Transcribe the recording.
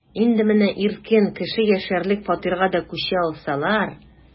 Инде менә иркен, кеше яшәрлек фатирга да күчә алсалар...